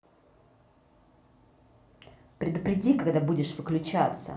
предупреди когда будешь выключаться